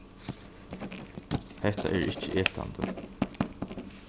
hetta er ikki etandi